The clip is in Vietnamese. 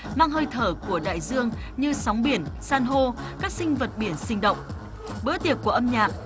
mang hơi thở của đại dương như sóng biển san hô các sinh vật biển sinh động bữa tiệc của âm nhạc